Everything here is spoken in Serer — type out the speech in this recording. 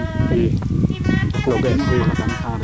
xa ref o ñuxyr mbalakano le wo